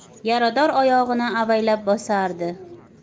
yarador oyog'ini avaylab bosardi